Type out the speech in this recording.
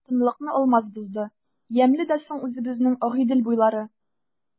Тынлыкны Алмаз бозды:— Ямьле дә соң үзебезнең Агыйдел буйлары!